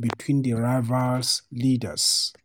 between the rivals' leaders.